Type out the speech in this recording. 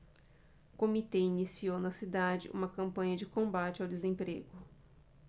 o comitê iniciou na cidade uma campanha de combate ao desemprego